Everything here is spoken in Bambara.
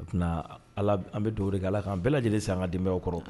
an bɛ dugawu de kɛ Ala ka an bɛɛ lajɛlen se an ka denbayaw kɔrɔ.